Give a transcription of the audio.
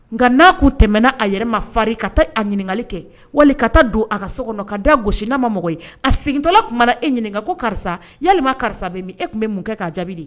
Nka n'a kun tɛmɛna a yɛrɛ ma faririn ka taa a ɲininkali kɛ wali ka taa don a ka so kɔnɔ ka da gosi n'a ma mɔgɔ ye a segintɔla tunumana e ɲininkaka ko karisa ya karisa bɛ min e tun bɛ mun kɛ k'a jaabidi